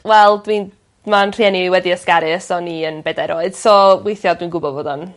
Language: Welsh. Wel dwi'n ma'n rhieni i wedi ysgaru ers o'n i yn bedair oed so weithia' dwi'n gwbod bod o'n